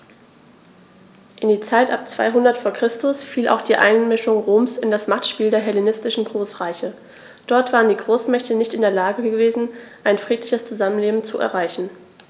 In die Zeit ab 200 v. Chr. fiel auch die Einmischung Roms in das Machtspiel der hellenistischen Großreiche: Dort waren die Großmächte nicht in der Lage gewesen, ein friedliches Zusammenleben zu erreichen.